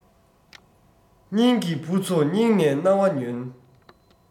སྙིང གི བུ ཚོ སྙིང ནས རྣ བ ཉོན